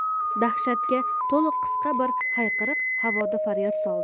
dahshatga to'liq qisqa bir hayqiriq havoda faryod soldi